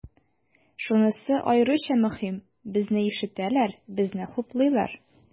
Шунысы аеруча мөһим, безне ишетәләр, безне хуплыйлар.